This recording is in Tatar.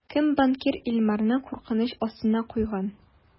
Кем банкир Илмарны куркыныч астына куйган?